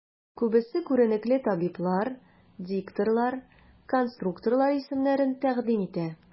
Күбесе күренекле табиблар, дикторлар, конструкторлар исемнәрен тәкъдим итә.